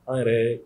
Ɛɛ